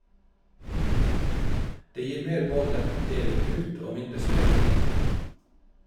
Det gir mer målrettet deling ut, og mindre støy inn.